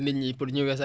si la bokk